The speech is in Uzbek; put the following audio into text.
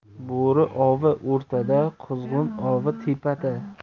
bo'ri ovi o'rtada quzg'un ovi tepada